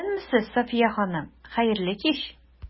Исәнмесез, Сафия ханым, хәерле кич!